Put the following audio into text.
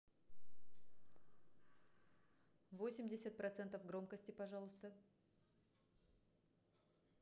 восемьдесят процентов громкости пожалуйста